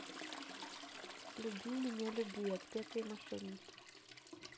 люби меня люби отпетые мошенники